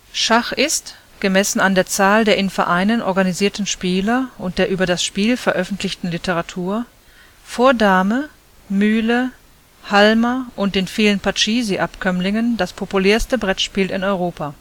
Schach ist – gemessen an der Zahl der in Vereinen organisierten Spieler und der über das Spiel veröffentlichten Literatur – vor Dame, Mühle, Halma und den vielen Pachisi-Abkömmlingen das populärste Brettspiel in Europa